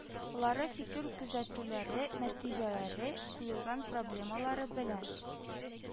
Лары, фикер-күзәтүләре, нәтиҗәләре, куелган проблемалары белән